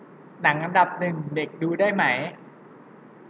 หนังอันดับหนึ่งเด็กดูได้ไหม